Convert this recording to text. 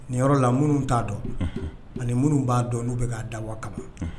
Ni yɔrɔ la minnu t'a dɔn, unhun, ani minnu b'a dɔn n'u bɛ b'a dabɔ a kama